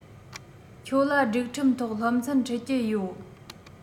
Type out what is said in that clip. ཁྱོད ལ སྒྲིག ཁྲིམས ཐོག སློབ ཚན ཁྲིད ཀྱི ཡོད